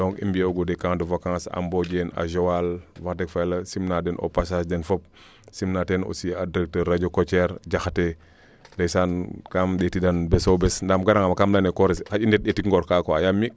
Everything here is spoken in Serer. donc i mbiyoogu des can de vacance Mbodiene a Joal wax deg fa yala simna den au passage den fop simna teen aussi directeur radio Kotiere ndeysaan kam ndeeti dan beso bes ndaa im gra nga bo ma kam leyane kores i ndet ndetik ngoor ka quoi yaam